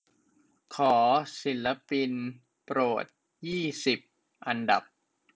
ขอศิลปินโปรดยี่สิบอันดับ